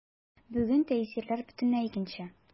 Бүген тәэсирләр бөтенләй икенче.